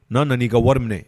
N'an nana ii ka wari minɛ